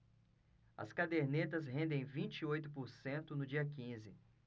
as cadernetas rendem vinte e oito por cento no dia quinze